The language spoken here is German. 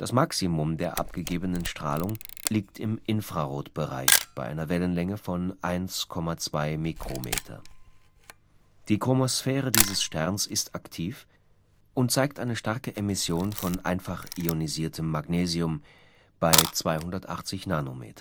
Maximum der abgegebenen Strahlung liegt im Infrarotbereich bei einer Wellenlänge von 1,2 µm. Die Chromosphäre dieses Sterns ist aktiv und zeigt eine starke Emission von einfach ionisiertem Magnesium bei 280 nm. Die